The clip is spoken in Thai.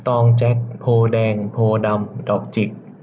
ตองแจ็คโพธิ์แดงโพธิ์ดำดอกจิก